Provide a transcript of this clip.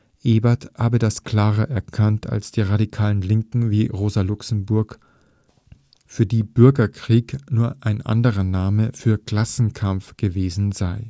Ebert habe das klarer erkannt als die radikalen Linken wie Rosa Luxemburg, für die Bürgerkrieg nur ein anderer Name für Klassenkampf gewesen sei